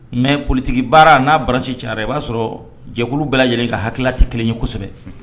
Mais politigibaara n'a banche caayara i b'a sɔrɔ jɛkulu bɛlajɛlen ka hakili tɛ kelen ye kosɛbɛ